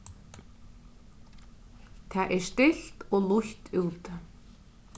tað er stilt og lýtt úti